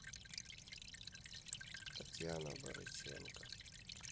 татьяна барыченко